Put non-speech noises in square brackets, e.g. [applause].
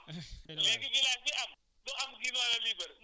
voilà * gis nga vingt cinq diviser par cent [laughs]